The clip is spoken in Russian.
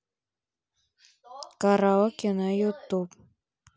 караоке на ютуб